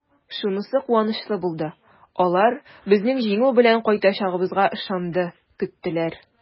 Шунысы куанычлы булды: алар безнең җиңү белән кайтачагыбызга ышанды, көттеләр!